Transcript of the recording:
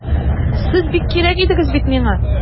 Сез бик кирәк идегез бит миңа!